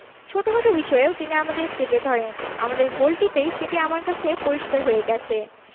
ছোটখাট বিষয়েও তিনি আমাদের চেপে ধরেন আমাদের গোলটিতেই সেটি আমার কাছে পরিস্কার হয়ে গেছে